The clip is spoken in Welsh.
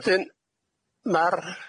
Wedyn ma'r